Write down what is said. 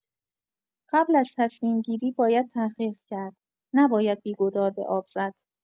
قبل از تصمیم‌گیری باید تحقیق کرد، نباید بی‌گدار به آب زد.